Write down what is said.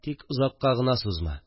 Тик озакка гына сузма